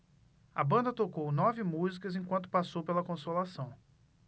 a banda tocou nove músicas enquanto passou pela consolação